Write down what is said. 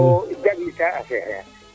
to o jangnitaa a seereer